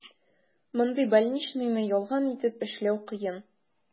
Мондый больничныйны ялган итеп эшләү кыен.